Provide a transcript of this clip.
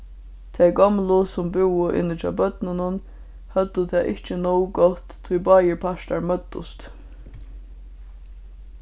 tey gomlu sum búðu inni hjá børnunum høvdu tað ikki nóg gott tí báðir partar møddust